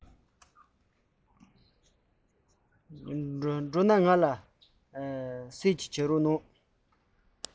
ཕྱིན ན ང ལ ལན བྱེད རོགས